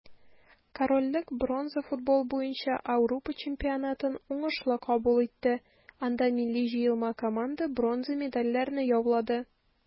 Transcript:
Корольлек бронза футбол буенча Ауропа чемпионатын уңышлы кабул итте, анда милли җыелма команда бронза медальләрне яулады.